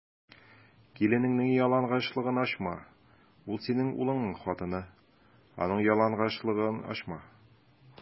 Киленеңнең ялангачлыгын ачма: ул - синең углыңның хатыны, аның ялангачлыгын ачма.